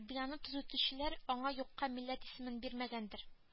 Бинаны төзүчеләр аңа юкка милләт исемен бирмәгәндер